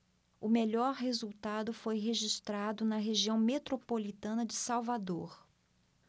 o melhor resultado foi registrado na região metropolitana de salvador